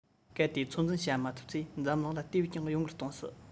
གལ ཏེ ཚོད འཛིན བྱེད མ ཐུབ ཚེ འཛམ གླིང ལ དེ བས ཀྱང གཡོ འགུལ གཏོང སྲིད